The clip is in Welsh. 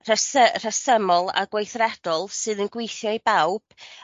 rhes- yy rhesymol a gweithredol sydd yn gwithio i bawb.